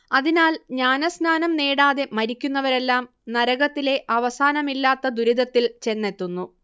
അതിനാൽ ജ്ഞാനസ്നാനം നേടാതെ മരിക്കുന്നവരെല്ലാം നരകത്തിലെ അവസാനമില്ലാത്ത ദുരിതത്തിൽ ചെന്നെത്തുന്നു